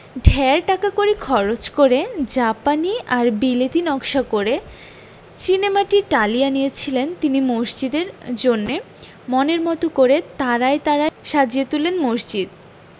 ঢের টাকাকড়ি খরচ করে জাপানি আর বিলেতী নকশা করে চীনেমাটির টালি আনিয়েছিলেন তিনি মসজিদের জন্যে মনের মতো করে তারায় তারায় সাজিয়ে তুললেন মসজিদ